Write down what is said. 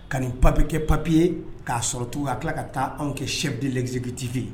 Ka nin papi kɛ papiye k'a sɔrɔ to a tila ka taa anw kɛ sɛden gegintibi